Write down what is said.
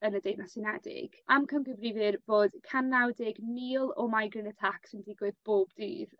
yn y Deyrnas Unedig. Amcangyfrifir bod can naw deg mil migraine attacks yn digwydd bob dydd